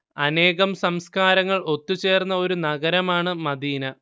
അനേകം സംസ്കാരങ്ങൾ ഒത്തുചേർന്ന ഒരു നഗരമാണ് മദീന